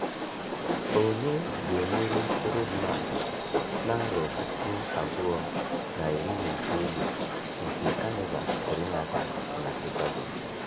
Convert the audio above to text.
Onye ga-emeri Road March 2019 nke Kanịva Trinidad & Tobago?